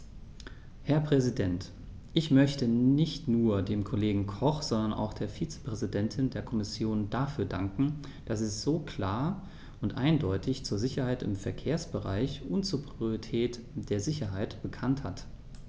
Herr Präsident, ich möchte nicht nur dem Kollegen Koch, sondern auch der Vizepräsidentin der Kommission dafür danken, dass sie sich so klar und eindeutig zur Sicherheit im Verkehrsbereich und zur Priorität der Sicherheit bekannt hat.